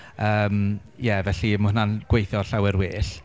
yym ie felly mae hwnna'n gweithio llawer well.